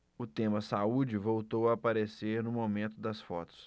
o tema saúde voltou a aparecer no momento das fotos